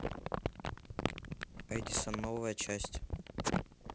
эдисон новая часть